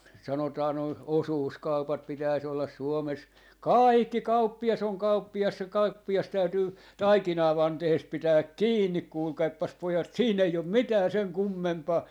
sanotaan nuo osuuskaupat pitäisi olla Suomessa kaikki kauppias on kauppias se kauppias täytyy taikinavanteesta pitää kiinni kuulkaapas pojat siinä ei ole mitään sen kummempaa